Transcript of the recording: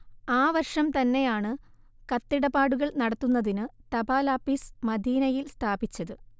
ആ വർഷം തന്നെയാണ് കത്തിടപാടുകൾ നടത്തുന്നതിനു തപാലാപ്പീസ് മദീനയിൽ സ്ഥാപിച്ചത്